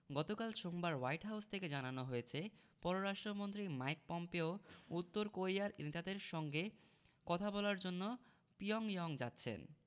গতকাল সোমবার White House থেকে জানানো হয়েছে পররাষ্ট্রমন্ত্রী মাইক পম্পেও উত্তর কোরিয়ার নেতাদের সঙ্গে কথা বলার জন্য পিয়ংইয়ং যাচ্ছেন